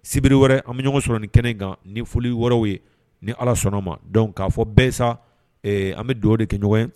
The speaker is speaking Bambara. Sibiri wɛrɛ an bɛ ɲɔgɔn sɔrɔ ni kɛnɛ kan ni foli wɔɔrɔw ye ni ala sɔnna ma dɔn k'a fɔ bɛɛ an bɛ dugaw de kɛ ɲɔgɔn ye